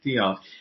Diolch.